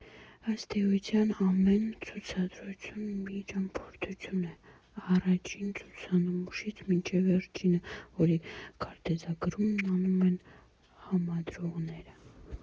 Ըստ էության, ամեն ցուցադրություն մի ճամփորդություն է՝ առաջին ցուցանմուշից մինչև վերջինը, որի քարտեզագրումն անում են համադրողները։